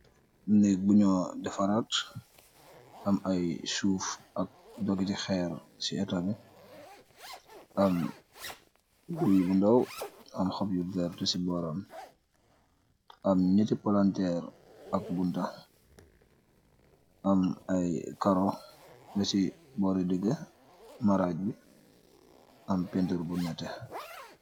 Negg bu njur defarat, amm aiiy suff ak dohgiti kherre cii ehtah bii, amm guiiy bu ndaw, amm hohbb yu vert ci bohram, amm njehti palanterre ak bunta, amm aiiy kaaroh beh ci bohri digi marajj bii, am peintur bu nehteh.